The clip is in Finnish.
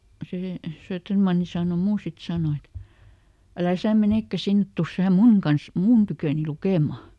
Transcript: se Söderman sanoi minua sitten sanoi että älä sinä menekään sinne tule sinä minun kanssa minun tyköni lukemaan